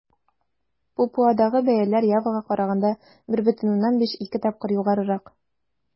Папуадагы бәяләр Явага караганда 1,5-2 тапкыр югарырак.